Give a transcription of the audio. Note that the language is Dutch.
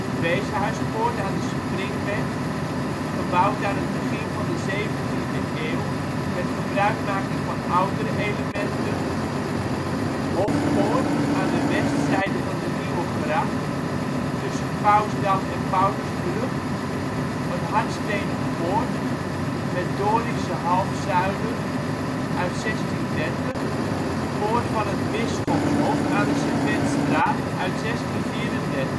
Weeshuispoort aan de Springweg, gebouwd aan het begin van de zeventiende eeuw met gebruikmaking van oudere elementen Hofpoort aan de westzijde van de Nieuwegracht tussen Pausdam en Paulusbrug, een hardstenen poort met dorische halfzuilen (1630) Poort van het Bisschopshof aan de Servetstraat (1634